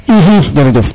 jerejef